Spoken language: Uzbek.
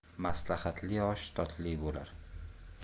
maslahatli osh totli bo'lar